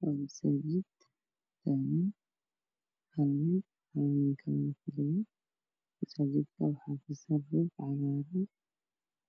Waa masaajid waxaa ku tukanayo dad